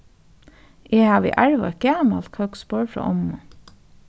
eg havi arvað eitt gamalt køksborð frá ommu